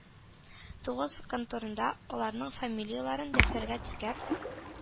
Тыгыз конторында, аларның фамилияләрен дәфтәргә теркәп,